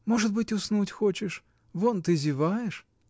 Может быть, уснуть хочешь: вон ты зеваешь?